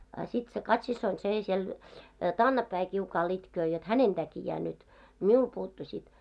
a sitten se Kati-siskoni se siellä takanapäin kiukaalla itkee jotta hänen takiaan nyt minulle puuttui sitten